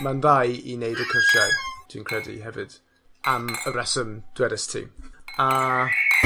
ma'n dda i i neud y cwrsiau. Dwi'n credu hefyd, am y reswm dwedest ti, a